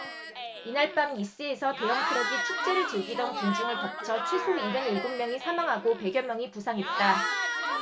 이날 밤 니스에서 대형트럭이 축제를 즐기던 군중을 덮쳐 최소 일흔 일곱 명이 사망하고 백 여 명이 부상했다